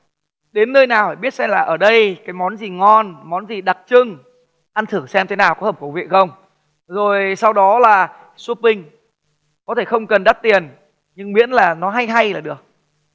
đến nơi nào biết xem là ở đây cái món gì ngon món gì đặc trưng ăn thử xem thế nào có hợp khẩu vị không rồi sau đó là sốp pinh có thể không cần đắt tiền nhưng miễn là nó hay hay là được